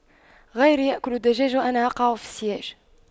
غيري يأكل الدجاج وأنا أقع في السياج